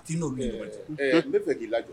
T'i nolu ni ɲɔgɔn cɛ. Ɛɛ n be fɛ ki la jɔ